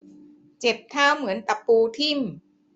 เจ็บเท้าเหมือนตะปูทิ่ม